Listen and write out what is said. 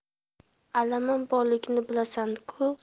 alamim borligini bilasan ku